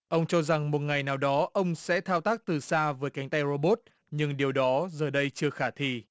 ông cho rằng một ngày nào đó ông sẽ thao tác từ xa với cánh tay rô bốt nhưng điều đó giờ đây chưa khả thi